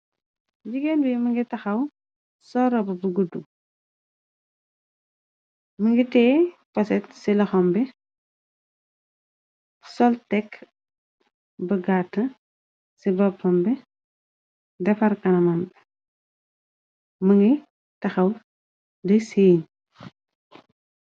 Jigéen wi mangi taxaw sooroba bu guddu mingi tee poset ci loxambe. Sol tekk ba gaat ci bappambe defar kanamanb më ngi taxaw di seeñ.